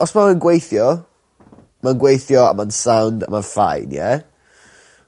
os ma' fe'n gweithio ma'n gweithio a ma'n sound a ma'n fine ie?